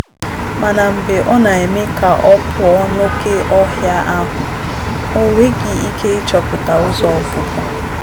Mana, mgbe ọ na-eme ka ọ pụọ n'oke ọhịa ahụ, o nweghi ike ịchọta ụzọ ọpụpụ.